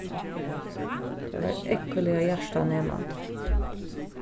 tað var ógvuliga hjartanemandi